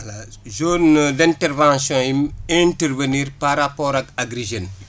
voilà zone d' intervention yim intervenir par rapport ak Agri Jeunes yi